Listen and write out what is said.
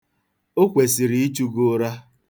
O kwesịrị ichu gị ụra.